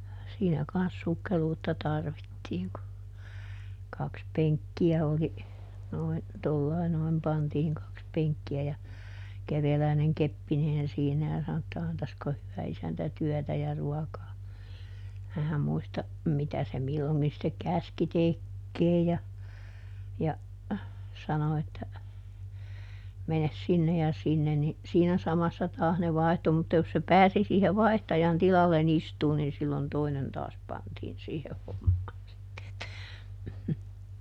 siinä kanssa sukkeluutta tarvittiin kun kaksi penkkiä oli noin tuolla lailla noin pantiin kaksi penkkiä ja kerjäläinen keppeineen siinä ja sanoi että antaisiko hyvä isäntä työtä ja ruokaa - muista mitä se milloinkin sitten käski tekemään ja ja sanoi että mene sinne ja sinne niin siinä samassa taas ne vaihtui mutta jos se pääsi siihen vaihtajan tilalle istumaan niin silloin toinen taas pantiin siihen hommaan sitten että